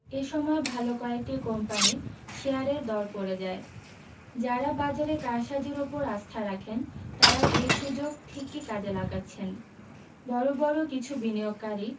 এ সময় ভালো কয়েকটি কোম্পানির শেয়ারের দর পড়ে যায় যাঁরা বাজারের কারসাজির ওপর আস্থা রাখেন তাঁরা এই সুযোগ ঠিকই কাজে লাগাচ্ছেন বড় বড় কিছু বিনিয়োগকারী